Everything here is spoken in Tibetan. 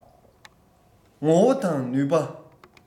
ངོ བོ དང ནུས པ